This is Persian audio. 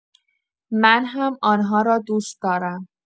من هم آن‌ها را دوست دارم.